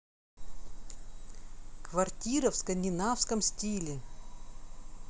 квартира в скандинавском стиле